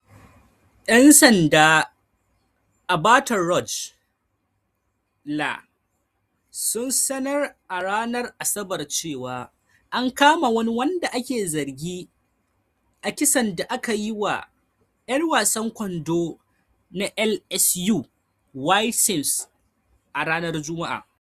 Yan sanda a Baton Rouge, La., Sun sanar a ranar Asabar cewa, an kama wani wanda ake zargi a kisan da aka yi wa' yar wasan kwando na LSU, Wayde Sims ranar Jumma'a.